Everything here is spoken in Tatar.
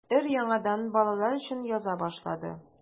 Өр-яңадан балалар өчен яза башлады.